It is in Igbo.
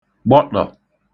gbọṭọ̀